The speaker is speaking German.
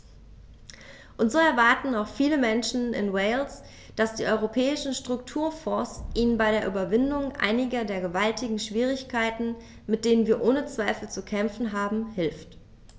Und so erwarten auch viele Menschen in Wales, dass die Europäischen Strukturfonds ihnen bei der Überwindung einiger der gewaltigen Schwierigkeiten, mit denen wir ohne Zweifel zu kämpfen haben, hilft.